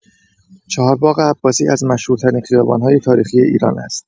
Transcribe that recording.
چهارباغ عباسی از مشهورترین خیابان‌های تاریخی ایران است.